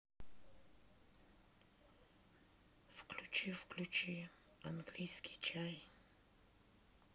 включи включи английский чай